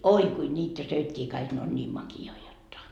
oi kuinka niitä söikin kaikki ne on niin makeita jotta